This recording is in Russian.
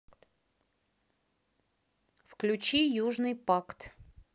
включи южный пакт